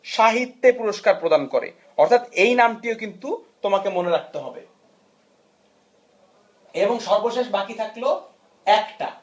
সাহিত্য পুরস্কার প্রদান করা অর্থাৎ এই নামটিও কিন্তু তোমাকে মনে রাখতে হবে এবং সর্বশেষ বাকি থাকলো একটা